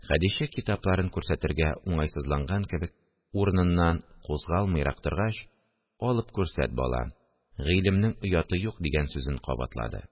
Хәдичә, китапларын күрсәтергә уңайсызланган кебек, урыныннан кузгалмыйрак торгач: – Алып күрсәт, балам, гыйлемнең ояты юк, – дигән сүзен кабатлады